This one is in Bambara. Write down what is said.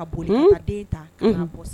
Ka boli ma den ta ka bɔ